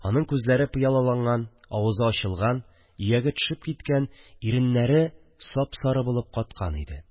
Аның күзләре пыялаланган, авызы ачылган, ияге төшеп киткән, иреннәре сап-сары булып каткан иде